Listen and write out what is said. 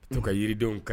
U ka jiridenw kan